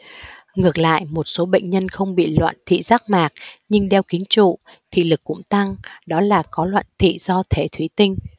ngược lại một số bệnh nhân không bị loạn thị giác mạc nhưng đeo kính trụ thị lực cũng tăng đó là có loạn thị do thể thủy tinh